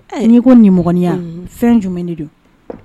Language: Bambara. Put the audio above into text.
Ɛ n'i ko nimɔgɔninya, fɛn jumɛn de don